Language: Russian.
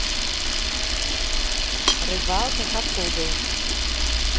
рыбалка хапугой